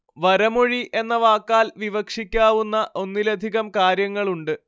വരമൊഴി എന്ന വാക്കാൽ വിവക്ഷിക്കാവുന്ന ഒന്നിലധികം കാര്യങ്ങളുണ്ട്